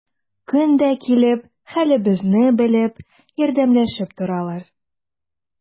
Көн дә килеп, хәлебезне белеп, ярдәмләшеп торалар.